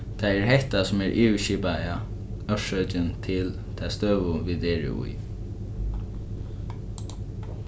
tað er hetta sum er yvirskipaða orsøkin til ta støðu vit eru í